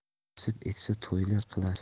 nasib etsa to'ylar qilasiz